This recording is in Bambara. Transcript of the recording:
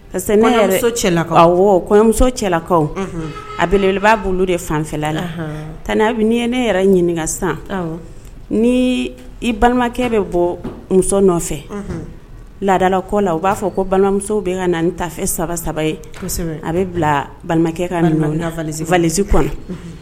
Parce que cɛlakaw kɔɲɔmuso cɛlalakaw aele b'a bolo de fanfɛla la tan ne yɛrɛ ɲini sisan ni i balimakɛ bɛ bɔ muso nɔfɛ laadadala kɔ la u b'a fɔ ko balimamusow bɛ ka na tafe saba saba ye a bɛ bila balimakɛ kafasi kɔnɔ